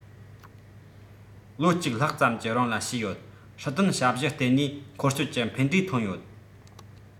ལོ གཅིག ལྷག ཙམ གྱི རིང ལ བྱས ཡོད སྲིད དོན ཞབས ཞུ ལྟེ གནས འཁོར སྐྱོད ཀྱི ཕན འབྲས ཐོན ཡོད